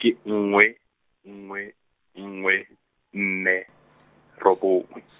ke nngwe, nngwe, nngwe, nne, robongwe.